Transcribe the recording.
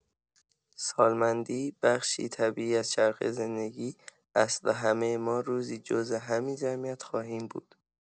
سالمندی بخشی طبیعی از چرخه زندگی است و همه ما روزی جزو همین جمعیت خواهیم بود.